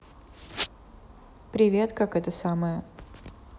привет как это самое